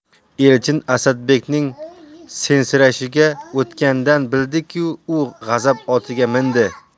elchin asadbekning sensirashiga o'tganidan bildiki u g'azab otiga mindi